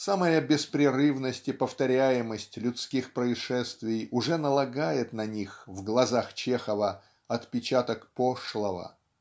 Самая беспрерывность и повторяемость людских происшествий уже налагает на них в глазах Чехова отпечаток пошлого.